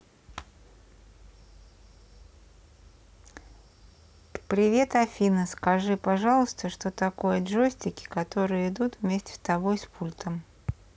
привет афина скажи пожалуйста что такое джойстики которые идут вместе с тобой с пультом